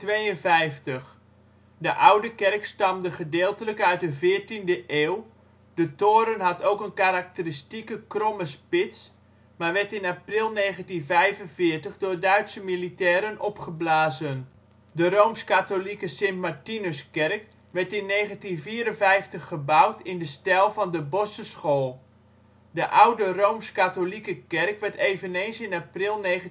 1952. De oude kerk stamde gedeeltelijk uit de 14e eeuw, de toren had ook een karakteristieke kromme spits, maar werd in april 1945 door Duitse militairen opgeblazen. De rooms-katholieke Sint-Martinuskerk werd in 1954 gebouwd in de stijl van de Bossche school. De oude rooms-katholieke kerk werd eveneens in april 1945